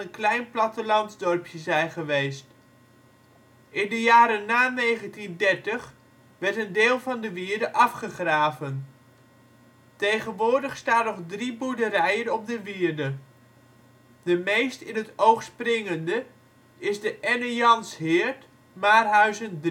klein plattelandsdorpje zijn geweest. In de jaren na 1930 werd een deel van de wierde afgegraven. Tegenwoordig staan nog drie boerderijen op de wierde. De meest in het oog springende is de Enne Jans Heerd (Maarhuizen